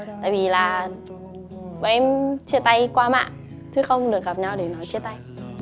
tại vì là bọn em chia tay qua mạng chứ không được gặp nhau để nói chia tay